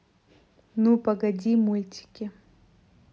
ну погоди мультики